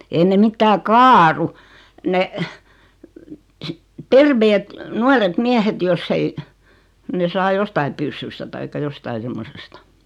ei ne mitään kaadu ne terveet nuoret miehet jos ei ne saa jostakin pyssystä tai jostakin semmoisesta